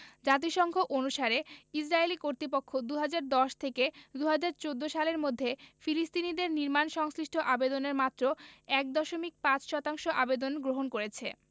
জাতিসংঘ অনুসারে ইসরাইলি কর্তৃপক্ষ ২০১০ থেকে ২০১৪ সালের মধ্যে ফিলিস্তিনিদের নির্মাণ সংশ্লিষ্ট আবেদনের মাত্র ১.৫ শতাংশ আবেদনের গ্রহণ করেছে